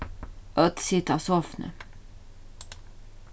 øll sita á sofuni